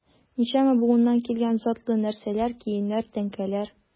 Ничәмә буыннан килгән затлы нәрсәләр, киемнәр, тәңкәләр...